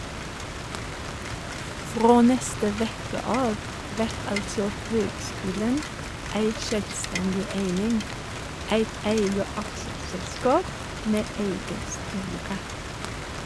Frå neste veke av vert altså høgskulen ei sjølvstendig eining, eit eige aksjeselskap med eige styre.